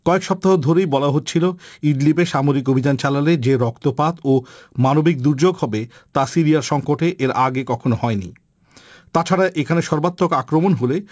কয়েক সপ্তাহ ধরে বলা হচ্ছিল যে ইদলিবে সামরিক অভিযান চালালে যে রক্তপাত ও মানবিক দুর্যোগ হবে সিরিয়া সংকটে এর আগে কখনো হয়নি তাছাড়া এখানে সর্বাত্মক আক্রমণ হলে